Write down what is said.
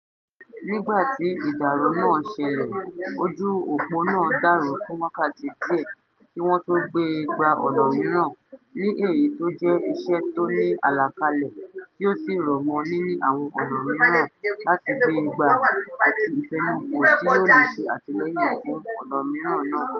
Nígbà tí ìdàrú nàá ṣẹlẹ̀, ojú òpó nàá dàrú fún wákàtí díẹ̀ kí wọ́n tó gbé e gba ọ̀nà míràn; ní èyí tó jẹ́ iṣẹ́ tó ní àlàkalẹ̀ tí ó sì rọ̀ mọ́ nínì àwọn ọ̀nà míràn láti gbée gbà àti ìfẹnùkọ̀ tí yóò lè ṣe àtìlẹyìn fùn ọ̀nà míràn náà.